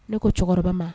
Ne ko cɛkɔrɔba ma